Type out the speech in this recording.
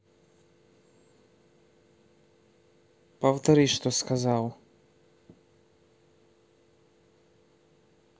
повтори что сказал